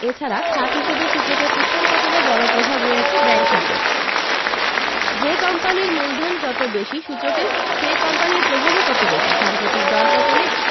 এ ছাড়া খাত হিসেবে সূচকের উত্থান পতনে বড় প্রভাব রয়েছে ব্যাংক খাতের যে কোম্পানির মূলধন যত বেশি সূচকে সেই কোম্পানির প্রভাবও তত বেশি সাম্প্রতিক দরপতনে